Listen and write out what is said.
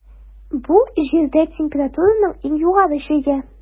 Бу - Җирдә температураның иң югары чиге.